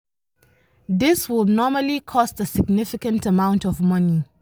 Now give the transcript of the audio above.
These would normally cost a significant amount of money.